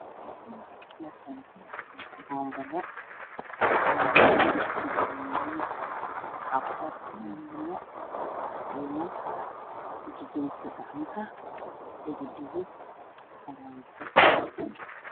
Meshaan waxaa yalalo bombalo lanparkiisu waa madow waa waxaa qorta ugu jiro Katiinad jijinta gacanata dhaga dhago faranti